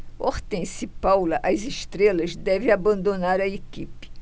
hortência e paula as estrelas devem abandonar a equipe